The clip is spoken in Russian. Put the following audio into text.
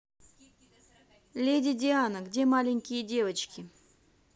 леди диана где маленькие девочки